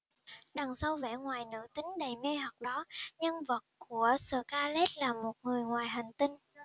đằng sau vẻ ngoài nữ tính đầy mê hoặc đó nhân vật của scarlett là một người ngoài hành tinh